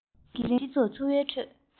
ལོ ངོ གཅིག རིང གི སྤྱི ཚོགས འཚོ བའི ཁྲོད